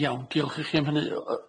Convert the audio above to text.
I- iawn diolch i chi am hynny yy.